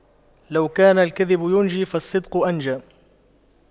لو كان الكذب ينجي فالصدق أنجى